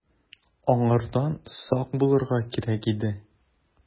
Аңардан сак булырга кирәк иде.